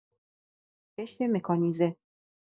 کشت مکانیزه